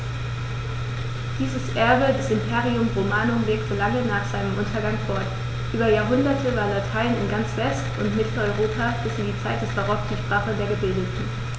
Dieses Erbe des Imperium Romanum wirkte lange nach seinem Untergang fort: Über Jahrhunderte war Latein in ganz West- und Mitteleuropa bis in die Zeit des Barock die Sprache der Gebildeten.